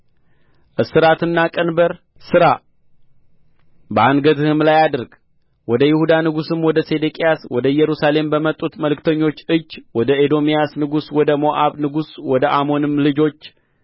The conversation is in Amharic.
እስራትና ቀንበር ሥራ በአንገትህም ላይ አድርግ ወደ ይሁዳ ንጉሥም ወደ ሴዴቅያስ ወደ ኢየሩሳሌም በመጡት መልእክተኞች እጅ ወደ ኤዶምያስ ንጉሥ ወደ ሞዓብም ንጉሥ ወደ አሞንም ልጆች